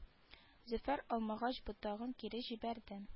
Зөфәр алмагач ботагын кире җибәрде